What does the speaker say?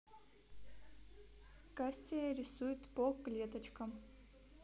касия рисует по клеточкам